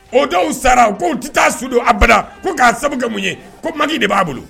O dɔw sara ko tɛ taa sudo a bɛɛda ko k' sababu kɛ mun ye ko mandi de b'a bolo